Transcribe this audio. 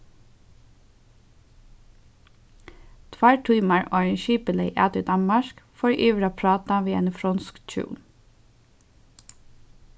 tveir tímar áðrenn skipið legði at í danmark fór eg yvir at práta við eini fronsk hjún